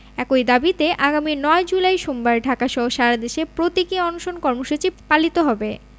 একই দাবিতে আগামী ৯ জুলাই সোমবার ঢাকাসহ সারাদেশে প্রতীকী অনশন কর্মসূচি পালিত হবে